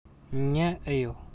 ཉལ འུ ཡོད